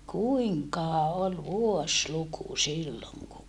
kuinkahan oli vuosiluku silloin kun